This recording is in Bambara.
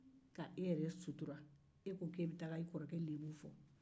ka e yɛrɛ sutura e ko ko e bɛ taa e kɔrɔkɛ lɛbu fɔ